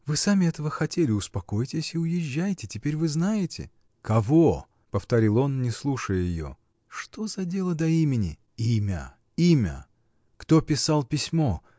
Вы сами этого хотели: успокойтесь и уезжайте: теперь вы знаете. — Кого? — повторил он, не слушая ее. — Что за дело до имени! — Имя, имя? Кто писал письмо?